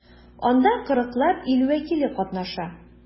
Анда 40 лап ил вәкиле катнаша.